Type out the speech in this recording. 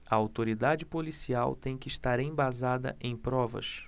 a autoridade policial tem de estar embasada em provas